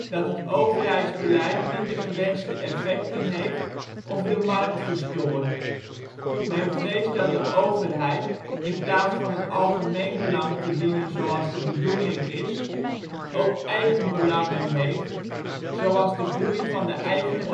dat het overheidsbeleid niet de gewenste effecten heeft, of de markt verstoort. Men vreest dat de overheid, in plaats van het algemeen belang te dienen zoals de bedoeling is, ook eigen belangen heeft, zoals de groei van de eigen